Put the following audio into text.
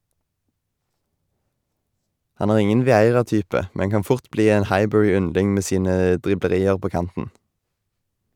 Han er ingen Vieira-type , men kan fort bli en Highbury-yndling med sine driblerier på kanten.